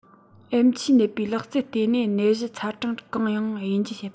ཨེམ ཆིས ནད པའི ལག རྩ བལྟས ནས ནད གཞི ཚ གྲང གང ཡིན དབྱེ འབྱེད བྱེད པ